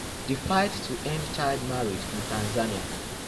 The fight to end child marriage in Tanzania